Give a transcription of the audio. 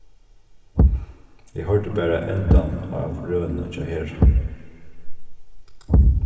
eg hoyrdi bara endan av røðuni hjá hera